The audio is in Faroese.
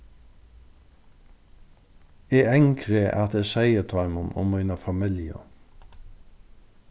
eg angri at eg segði teimum um mína familju